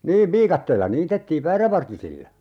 niin viikatteella niitettiin väärävartisilla